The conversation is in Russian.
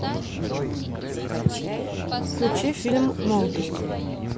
включи фильм молодость